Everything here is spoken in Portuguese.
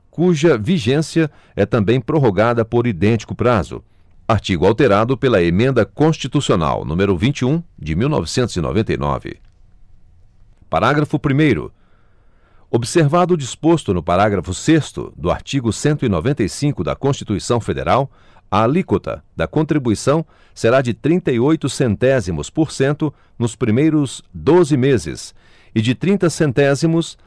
cuja vigência é também prorrogada por idêntico prazo artigo alterado pela emenda constitucional número vinte e um de mil novecentos e noventa e nove parágrafo primeiro observado o disposto no parágrafo sexto do artigo cento e noventa e cinco da constituição federal a alíquota da contribuição será de trinta e oito centésimos por cento nos primeiros doze meses e de trinta centésimos